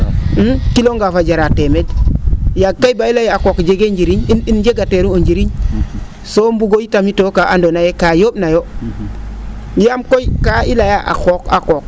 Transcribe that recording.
kilo ngaaf a jaraa teemeed yaag kay baa i lay ee a qooq jegee njiriñ in njegateeru o njiriñso mbugo itam kaa andoona ye kaa yoo?nayoo yaam koy kaa i layaa a qooq, a qooq